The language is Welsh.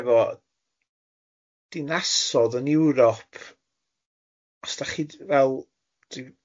hefo dinasodd yn Europe y